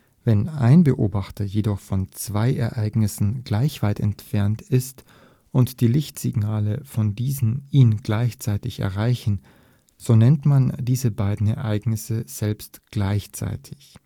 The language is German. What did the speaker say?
Wenn ein Beobachter jedoch von zwei Ereignissen gleich weit entfernt ist und Lichtsignale von diesen ihn gleichzeitig erreichen, so nennt man die beiden Ereignisse selbst gleichzeitig